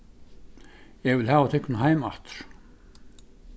eg vil hava tykkum heim aftur